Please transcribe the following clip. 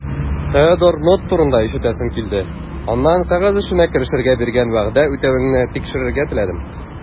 Теодор Нотт турында ишетәсем килде, аннан кәгазь эшенә керешергә биргән вәгъдә үтәвеңне тикшерергә теләдем.